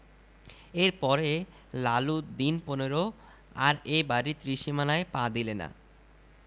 এর পরে লালু দিন পনেরো আর এ বাড়ির ত্রিসীমানায় পা দিলে না